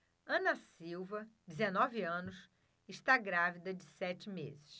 ana silva dezenove anos está grávida de sete meses